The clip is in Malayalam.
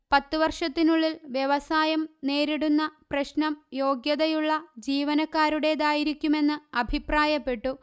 പത്തുവർഷത്തിനുള്ളിൽ വ്യവസായം നേരിടുന്ന പ്രശ്നം യോഗ്യതയുള്ള ജീവനക്കാരുടെതായിരിക്കുമെന്ന് അഭിപ്രായപ്പെട്ടു